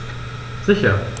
Sicher.